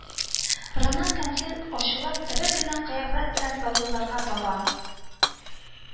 Рына кәнфит учлап, эре генә кыяфәт белән сабыйларга таба